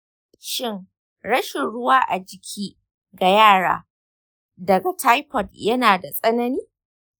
shin rashin ruwa a jiki ga yara daga typhoid yana da tsanani?